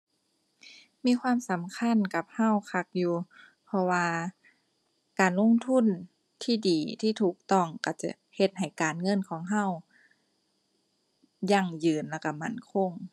มีความสำคัญกับเราคักอยู่ เพราะว่าการลงทุนที่ดีที่ถูกต้องเราจะเฮ็ดให้การเงินของเรา ยั่งยืนแล้วเรามั่นคง